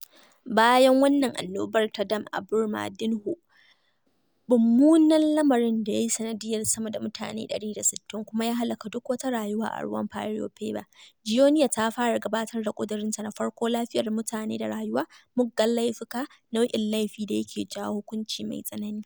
Bayan wannan annobar ta dam a Brumadinho, mummunan lamarin ya yi sanadiyyar sama da mutane 160 kuma ya halaka duk wata rayuwa a ruwan Paraopeba, Joenia ta fara gabatar da ƙudurinta na farko, lafiyar mutane da rayuwa, "muggan laifuka" nau'in laifin da yake jawo hukunci mai tsanani.